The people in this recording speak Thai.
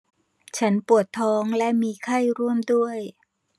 ฉันปวดท้องและมีไข้ร่วมด้วย